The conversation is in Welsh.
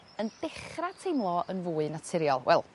yn dechhra teimlo yn fwy naturiol wel